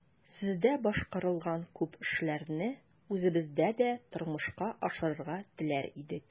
Сездә башкарылган күп эшләрне үзебездә дә тормышка ашырырга теләр идек.